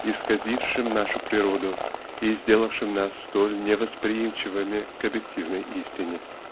исказившим нашу природу и сделавшим нас столь невосприимчивыми к объективной истине.